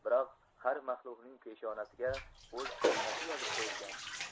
biroq har mahluqning peshonasiga o'z jannati yozib qo'yilgan